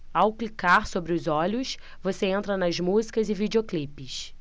ao clicar sobre os olhos você entra nas músicas e videoclipes